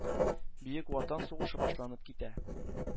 Бөек Ватан сугышы башланып китә.